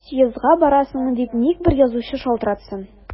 Съездга барасыңмы дип ник бер язучы шалтыратсын!